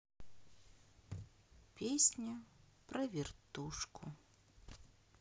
песня про вертушку